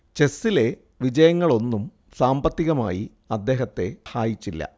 ചെസ്സിലെ വിജയങ്ങളൊന്നും സാമ്പത്തികമായി അദ്ദേഹത്തെ സഹായിച്ചില്ല